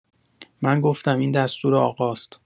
من گفتم این دستور آقاست.